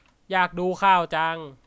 อยากดูข่าวจัง